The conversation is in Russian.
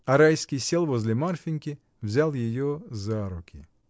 А Райский сел возле Марфиньки, взял ее за руку.